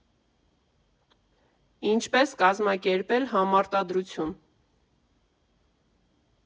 Ինչպես կազմակերպել համարտադրություն։